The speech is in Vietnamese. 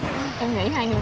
em nghĩ hai người